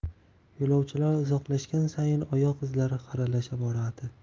yo'lovchilar uzoqlashgan sayin oyoq izlari xiralasha boradi